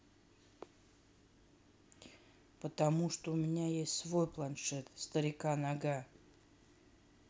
потому что у меня есть свой планшет старика нога